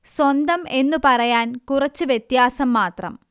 സ്വന്തം എന്നു പറയാന് കുറച്ച് വ്യത്യാസം മാത്രം